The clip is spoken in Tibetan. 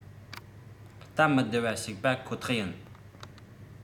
སྟབས མི བདེ བ ཞིག པ ཁོ ཐག ཡིན